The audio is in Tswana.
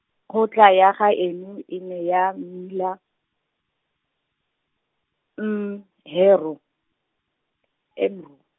kgotla ya gaeno e ne ya mela, mhero, .